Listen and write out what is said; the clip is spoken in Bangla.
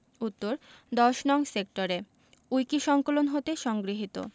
উত্তরঃ ১০নং সেক্টরে উইকিসংকলন হতে সংগৃহীত